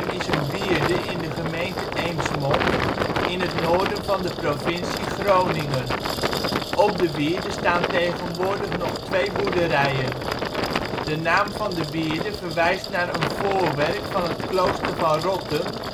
is een wierde in de gemeente Eemsmond in het noorden van de provincie Groningen. Op de wierde staan tegenwoordig nog twee boerderijen. De naam van de wierde verwijst naar een voorwerk van het klooster van Rottum